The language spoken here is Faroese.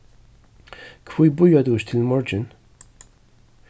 hví bíðar tú ikki til í morgin